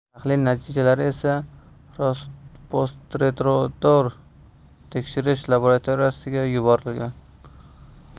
tahlil natijalari esa rospotrebnazdor tekshirish laboratoriyasiga yuborilgan